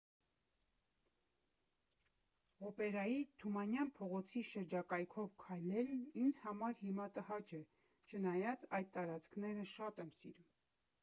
Օպերայի, Թումանյան փողոցի շրջակայքով քայլելն ինձ համար հիմա տհաճ է, չնայած այդ տարածքները շատ եմ սիրում։